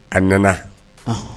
A nana. Ɔnhɔn